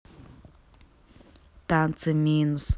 танцы минус